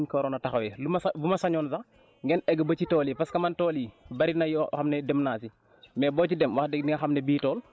ñiñ ko joxoon moom wax dëgg yàlla taxawu nañ ko comme niñ ko waroon a taxawee li ma sa bu ma sañoon sax ngeen egg ba ci tool yi parce man tool yi bëri na yoo xam ne dem naa ci